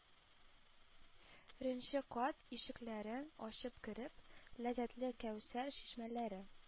Ренче кат ишекләрен ачып кереп, ләззәтле кәүсәр чишмәләре